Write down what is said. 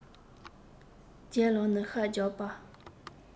ལྗད ལགས ནི ཤ རྒྱགས པ